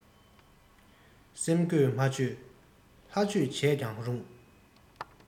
སེམས གོས མ ཆོད ལྷ ཆོས བྱས ཀྱང རུང